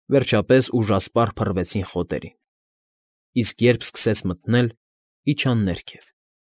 Վերջապես ուժասպառ փռվեցին խոտերին, իսկ երբ սկսեց մթնել, իջան ներքև։